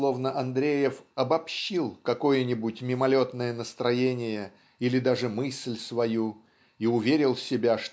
словно Андреев обобщил какое нибудь мимолетное настроение или даже мысль свою и уверил себя